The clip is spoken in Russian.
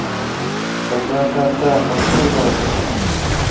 ратата попутал